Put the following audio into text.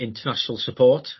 international support...